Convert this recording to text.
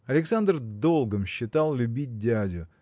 Александр долгом считал любить дядю